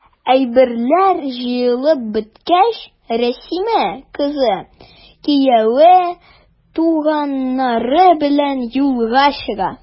Әйберләр җыелып беткәч, Рәсимә, кызы, кияве, туганнары белән юлга чыга.